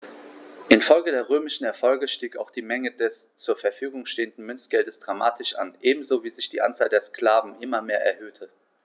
Infolge der römischen Erfolge stieg auch die Menge des zur Verfügung stehenden Münzgeldes dramatisch an, ebenso wie sich die Anzahl der Sklaven immer mehr erhöhte.